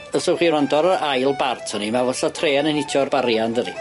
Os nowch chi wrando ar y ail bart o'n i me'wl' fatha trên yn hitio'r barria yndydi?